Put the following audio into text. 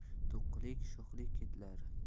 to'qlik sho'xlik keltirar